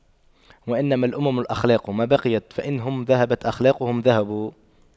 وإنما الأمم الأخلاق ما بقيت فإن هم ذهبت أخلاقهم ذهبوا